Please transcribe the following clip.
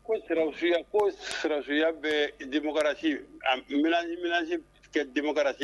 Ko siraroya ko sirarosuya bɛ denmusomorasi minɛn ka dimokarasi